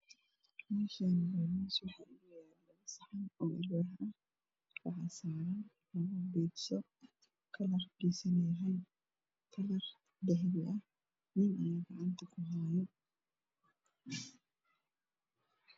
Meshan waa miis waxa ino yaalo saxan oo alwax ah waxasaran labo bisso kalarkoda yahay kalar dahbi ah nin ayaa gacanta kuhayo